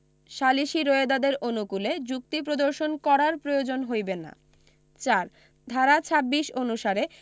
সালিসী রোয়েদাদের অনুকূলে যুক্তি প্রদর্শন করার প্রয়োজন হইবে না ৪ ধারা ২৬ অনুসারে